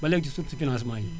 ba léegi su ci financements yi